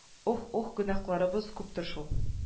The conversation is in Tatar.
Ух-ух гөнаһларыбыз күптер шул